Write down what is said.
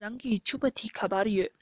རང གི ཕྱུ པ དེ ག པར ཡོད